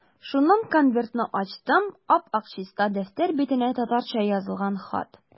Шуннан конвертны ачтым, ап-ак чиста дәфтәр битенә татарча язылган хат.